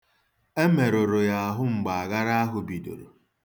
E merụrụ ya ahụ mgbe aghara ahụ bidoro.